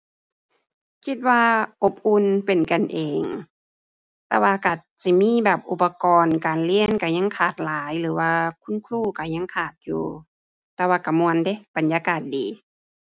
คิดว่าอบอุ่นเป็นกันเอง แต่ว่าก็สิมีแบบอุปกรณ์การเรียนก็ยังขาดหลายหรือว่าคุณครูก็ยังขาดอยู่ แต่ว่าก็ม่วนเดะ บรรยากาศดี